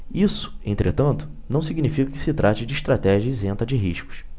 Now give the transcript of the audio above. isso entretanto não significa que se trate de estratégia isenta de riscos